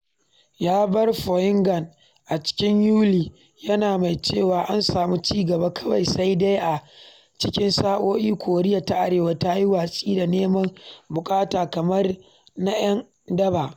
Ya bar Pyongyang a cikin Yuli yana mai cewa an samu ci gaba, kawai sai dai a cikin sa’o’i Koriya ta Arewa ta yi watsi da neman “buƙatu kamar na 'yan daba.”